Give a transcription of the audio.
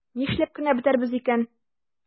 Нишләп кенә бетәрбез икән?